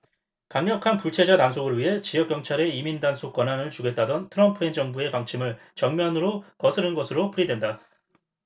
강력한 불체자 단속을 위해 지역 경찰에 이민 단속 권한을 주겠다던 트럼프 행정부의 방침을 정면으로 거스른 것으로 풀이된다